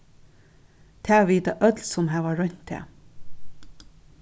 tað vita øll sum hava roynt tað